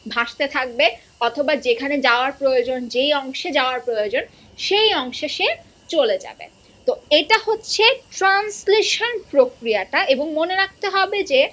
ভাসতে থাকবে অথবা যেখানে যাওয়ার প্রয়োজন যে অংশে যাওয়ার প্রয়োজন সেই অংশে সে চলে যাবে তো এটা হচ্ছে ট্রান্সলেশন প্রক্রিয়া এবং মনে রাখতে হবে যে